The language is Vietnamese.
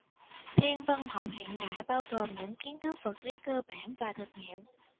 thiên văn học hiện đại bao gồm những kiến thức vật lý cơ bản và thực nghiệm